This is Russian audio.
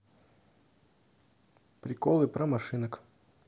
приколы про машинок